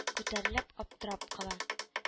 Үтәрелеп аптырап кала: н